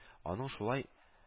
Аның шулай